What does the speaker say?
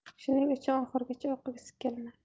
shuning uchun oxirigacha o'qigisi kelmadi